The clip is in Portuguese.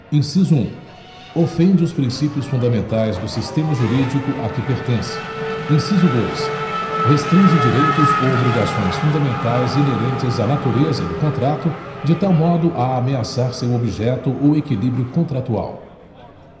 inciso um ofende os princípios fundamentais do sistema jurídico a que pertence inciso dois restringe direitos ou obrigações fundamentais inerentes à natureza do contrato de tal modo a ameaçar seu objeto ou equilíbrio contratual